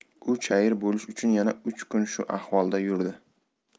u chayir bo'lish uchun yana uch kun shu ahvolda yurdi